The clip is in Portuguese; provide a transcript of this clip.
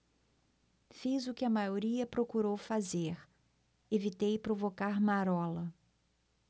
fiz o que a maioria procurou fazer evitei provocar marola